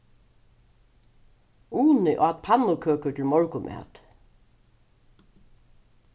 uni át pannukøkur til morgunmat